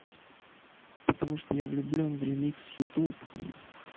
потому что я влюблен в remix youtube